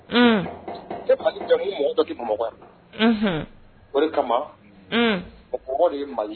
Ne jamu mɔgɔ dɔ bɛ bamakɔkan na o de kama ko de ye